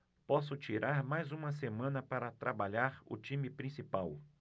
posso tirar mais uma semana para trabalhar o time principal